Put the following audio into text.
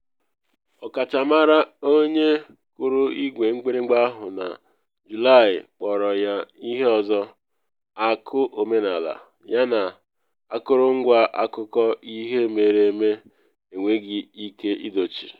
Ọkachamara onye kụrụ igwe mgbịrịmgba ahụ na Julaị kpọrọ ya ihe ọzọ: “Akụ omenala” yana “akụrụngwa akụkọ ihe mere eme enweghị ike idochi.”